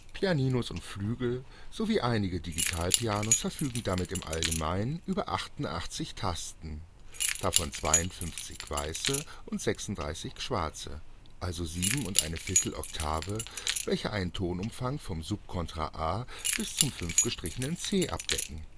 Pianinos und Flügel sowie einige Digitalpianos verfügen damit im allgemeinen über 88 Tasten (52 weiße und 36 schwarze), also 7 1/4 Oktaven, welche einen Tonumfang vom ‚‚ A (Subkontra-A) bis zum c’’’’’ abdecken